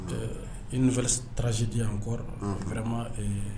Ɛɛ, une nouvelle tragédie encore ;Unhun ; vraiment ɛɛ